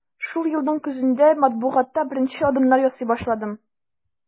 Шул елның көзендә матбугатта беренче адымнар ясый башладым.